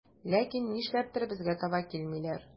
Ләкин нишләптер безгә таба килмиләр.